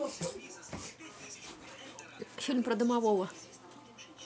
фильм про домового